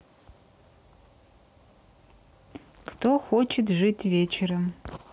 кто хочет жить вечером